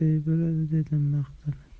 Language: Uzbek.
bo'ladi dedim maqtanib